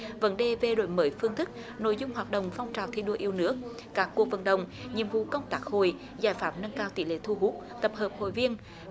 vấn đề về đổi mới phương thức nội dung hoạt động phong trào thi đua yêu nước các cuộc vận động nhiệm vụ công tác hội giải pháp nâng cao tỷ lệ thu hút tập hợp hội viên